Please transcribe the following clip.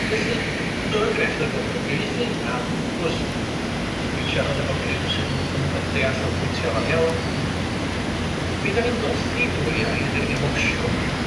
Felly, y grefft o gyf- o gyfieithu, a wrth gwrs dwi'n siarad efo criw sydd yn yn deall y pwyntia' 'ma'n iawn be' 'dan ni'n gothi drw Ay I ydi'r emosiwn